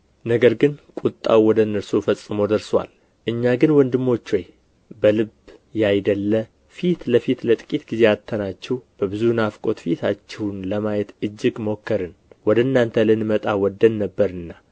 ነገር ግን ቍጣው ወደ እነርሱ ፈጽሞ ደርሶአል እኛ ግን ወንድሞች ሆይ በልብ ያይደለ ፊት ለፊት ለጥቂት ጊዜ አጥተናችሁ በብዙ ናፍቆት ፊታችሁን ለማየት እጅግ ሞከርን ወደ እናንተ ልንመጣ ወደን ነበርና